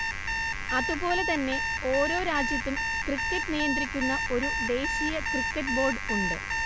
അതുപോലെതന്നെ ഓരോ രാജ്യത്തും ക്രിക്കറ്റ് നിയന്ത്രിക്കുന്ന ഒരു ദേശീയ ക്രിക്കറ്റ് ബോർഡ് ഉണ്ട്